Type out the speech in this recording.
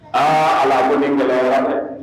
A ala ko nin gɛlɛyara dɛ